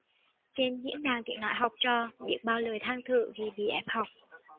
trên diễn đàn tiếng nói học trò biết bao lời than thở vì bị ép học